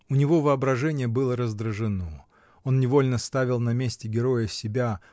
У него воображение было раздражено: он невольно ставил на месте героя себя